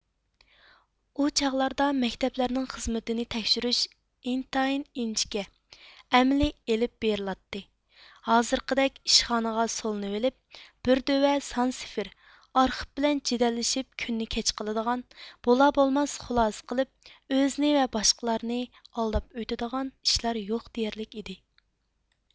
ئۇ چاغلاردا مەكتەپلەرنىڭ خىزمىتىنى تەكشۈرۈش ئىنتايىن ئىنچىكە ئەمەلىي ئېلىپ بېرىلاتتى ھازىرقىدەك ئىشخانىغا سولىنىۋىلىپ بىر دۆۋە سان سىفىر ئارخىپ بىلەن جېدەللىشىپ كۈننى كەچ قىلىدىغان بولا بولماس خۇلاسە قىلىپ ئۆزىنى ۋە باشقىلارنى ئالداپ ئۆتىدىغان ئىشلار يوق دېيەرلىك ئىدى